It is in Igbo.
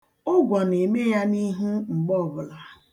Ụgwọ na-eme ya n' ihu mgbe ọbụla.